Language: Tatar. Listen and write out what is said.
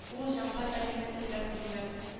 Ул җантай әбине эзләп килгән